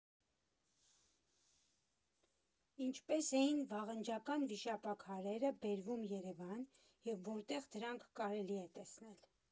Ինչպես էին վաղնջական վիշապաքարերը բերվում Երևան և որտեղ դրանք կարելի է տեսնել։